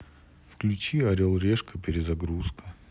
включи орел решка перезагрузка